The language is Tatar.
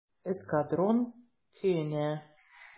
"эскадрон" көенә.